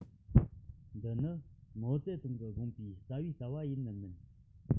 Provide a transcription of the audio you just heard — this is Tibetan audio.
འདི ནི མའོ ཙེ ཏུང གི དགོངས པའི རྩ བའི ལྟ བ ཡིན ནམ མིན